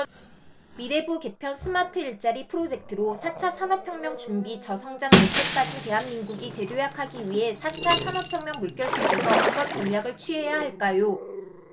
미래부 개편 스마트일자리 프로젝트로 사 차 산업혁명 준비 저성장 늪에 빠진 대한민국이 재도약하기 위해 사 차 산업혁명 물결 속에서 어떤 전략을 취해야 할까요